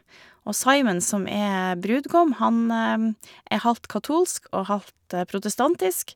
Og Simon, som er brudgom, han er halvt katolsk og halvt protestantisk.